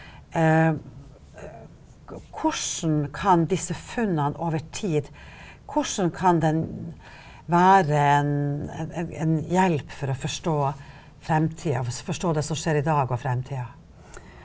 hvordan kan disse funnene over tid hvordan kan den være en en en hjelp for å forstå fremtida forstå det som skjer i dag og fremtida?